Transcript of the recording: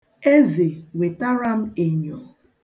Eze, wetara m enyo.